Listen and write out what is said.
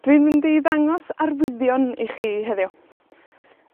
Dwi'n mynd i ddangos arwyddion i chi heddiw.